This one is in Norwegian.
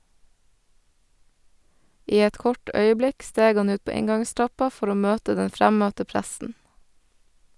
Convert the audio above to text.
I et kort øyeblikk steg han ut på inngangstrappa for å møte den fremmøtte pressen.